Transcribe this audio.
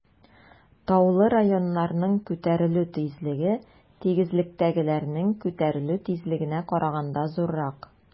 Таулы районнарның күтәрелү тизлеге тигезлекләрнең күтәрелү тизлегенә караганда зуррак.